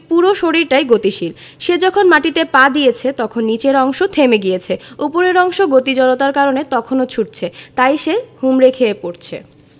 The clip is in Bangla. পুরো শরীরটাই গতিশীল সে যখন মাটিতে পা দিয়েছে তখন নিচের অংশ থেমে গিয়েছে ওপরের অংশ গতি জড়তার কারণে তখনো ছুটছে তাই সে হুমড়ি খেয়ে পড়ছে